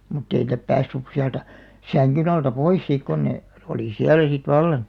mutta ei niitä päässyt sieltä sängyn alta pois sitten kun ne oli siellä sitten vallan